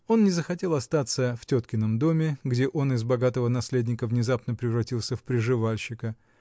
он не захотел остаться в теткином доме, где он из богатого наследника внезапно превратился в приживальщика